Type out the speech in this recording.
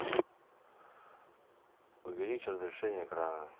увеличь разрешение экрана